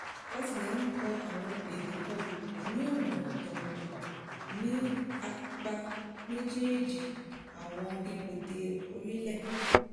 Wọ́n tilẹ̀ ń kọ àwọn èdè kan ní ọ̀nà ọ̀tọ̀ọ̀tọ̀ ní apá méjéèjì àwọn ibodè orílẹ̀.